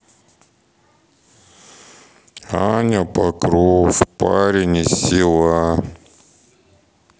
аня покров парень из села